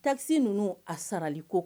Tasi ninnu a saraliko